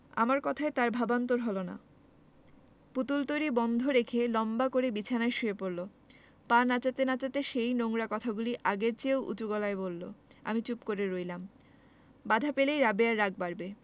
আমার কথায় তার ভাবান্তর হলো না পুতুল তৈরী বন্ধ রেখে লম্বা হয়ে বিছানায় শুয়ে পড়লো পা নাচাতে নাচাতে সেই নোংরা কথাগুলি আগের চেয়েও উচু গলায় বললো আমি চুপ করে রইলাম বাধা পেলেই রাবেয়ার রাগ বাড়বে